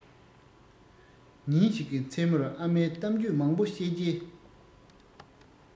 ཉིན ཞིག གི མཚན མོར ཨ མས གཏམ རྒྱུད མང པོ བཤད རྗེས